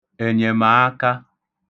ènyèmaka